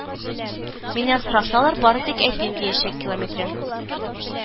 Миннән сорасалар, бары тик әйтмим диячәкилометрен